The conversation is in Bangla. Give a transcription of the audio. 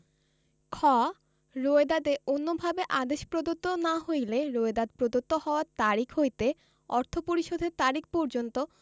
খ রোয়েদাদে অন্যভাবে আদেশ প্রদত্ত না হইলে রোয়েদাদ প্রদত্ত হওয়ার তারিখ হইতে অর্থ পরিশোধের তারিখ পর্যন্ত